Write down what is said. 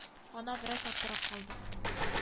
Кимчелекләре күп иде аның.